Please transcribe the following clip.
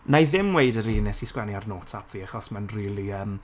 wna i ddim ddim weud yr un wnes i sgwennu ar notes app fi, achos mae'n rili yym,